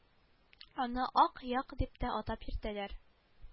Аны ак як дип тә атап йөртәләр